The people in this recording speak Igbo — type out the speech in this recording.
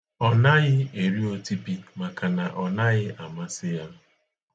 Ọ naghị eri otipi maka na ọ naghị amasị ya.